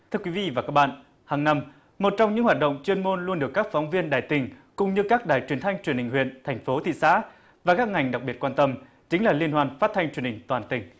thưa quý vị và các bạn hằng năm một trong những hoạt động chuyên môn luôn được các phóng viên đài tỉnh cũng như các đài truyền thanh truyền hình huyện thành phố thị xã và các ngành đặc biệt quan tâm chính là liên hoan phát thanh truyền hình toàn tỉnh